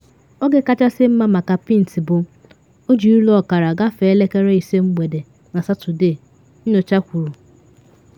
Oge kachasị mma maka pint bụ 5:30 mgbede na Satọde, nyocha kwuru